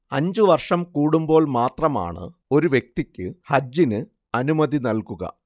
അഞ്ചു വർഷം കൂടുമ്പോൾ മാത്രമാണ് ഒരു വ്യക്തിക്ക് ഹജ്ജിനു അനുമതി നൽകുക